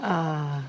Ah.